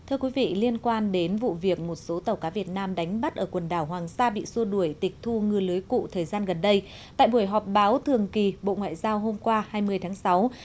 thưa quý vị liên quan đến vụ việc một số tàu cá việt nam đánh bắt ở quần đảo hoàng sa bị xua đuổi tịch thu ngư lưới cụ thời gian gần đây tại buổi họp báo thường kỳ bộ ngoại giao hôm qua hai mươi tháng sáu